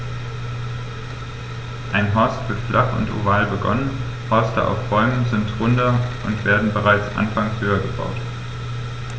Ein Horst wird flach und oval begonnen, Horste auf Bäumen sind runder und werden bereits anfangs höher gebaut.